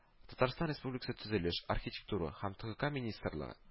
Татарстан Республикасы Төзелеш, архитектура һәм ТКХ министрлыгы